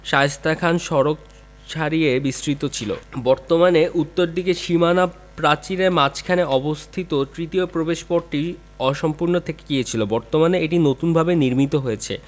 শায়েস্তা খান সড়ক ছাড়িয়েও বিস্তৃত ছিল বর্তমানে উত্তর দিকের সীমানা প্রাচীরের মাঝখানে অবস্থিত তৃতীয় প্রবেশপথটি অসম্পূর্ণ থেকে গিয়েছিল বর্তমানে এটি নতুনভাবে নির্মিত হয়েছে